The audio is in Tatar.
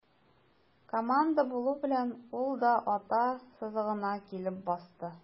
Команда булу белән, ул да ату сызыгына килеп басты.